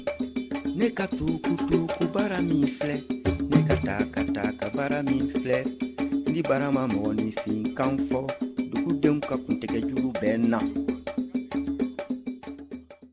ne ka tukutukubara min filɛ ne ka takatakabara min filɛ ni bara ma mɔgɔninfinkan fɔ dugudenw ka kuntigɛjuru bɛ n na